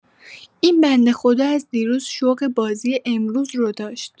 این بنده خدا از دیروز شوق بازی امروز رو داشت.